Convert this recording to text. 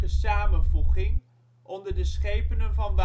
samenvoeging onder de schepenen van